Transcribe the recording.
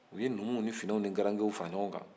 u ye numuw ni funɛw ni garankew faraɲɔgɔn kan